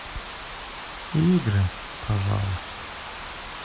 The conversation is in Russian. игры пожалуйста